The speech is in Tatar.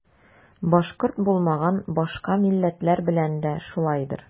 Башкорт булмаган башка милләтләр белән дә шулайдыр.